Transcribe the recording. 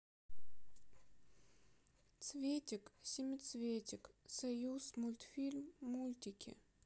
цветик семицветик союз мультфильм мультики